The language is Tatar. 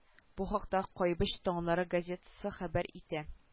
Бу хакта кайбыч таңнары газетасы хәбәр итә